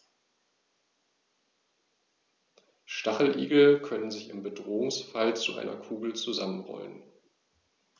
Stacheligel können sich im Bedrohungsfall zu einer Kugel zusammenrollen.